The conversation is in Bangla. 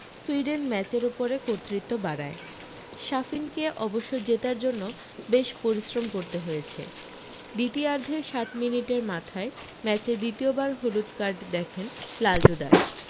সুইডেন ম্যাচের উপরে কর্তৃত্ব বাড়ায় সাফিনকে অবশ্য জেতার জন্য বেশ পরিশ্রম করতে হয়েছে দ্বিতীয়ার্ধের সাত মিনিটের মাথায় ম্যাচে দ্বিতীয়বার হলুদ কার্ড দেখেন লালটু দাস